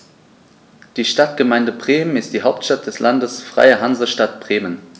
Die Stadtgemeinde Bremen ist die Hauptstadt des Landes Freie Hansestadt Bremen.